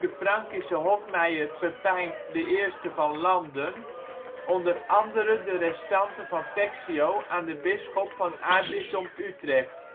Frankische hofmeier Pippijn I van Landen onder andere de restanten van Fectio aan de bisschop van Aartsbisdom Utrecht